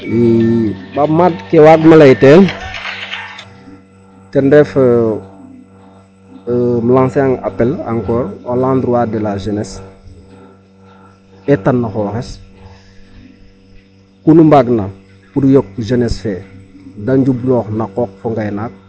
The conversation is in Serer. Pape Made ke waagma lay teen ten ref im lancer an appel encore au l' endroie de la jeunesse eetan no xooxes kunu mbaagna pour yok jeunesse fe de njubloox na qooq fo ngaynaak.